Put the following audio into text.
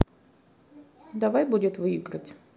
давай будет выиграть